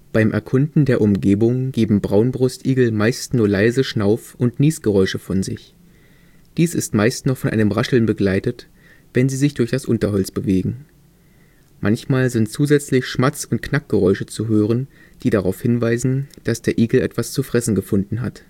Beim Erkunden der Umgebung geben Braunbrustigel meist nur leise Schnauf - und Niesgeräusche von sich. Dies ist meist noch von einem Rascheln begleitet, wenn sie sich durch das Unterholz bewegen. Manchmal sind zusätzlich Schmatz - und Knackgeräusche zu hören, die darauf hinweisen, dass der Igel etwas zu fressen gefunden hat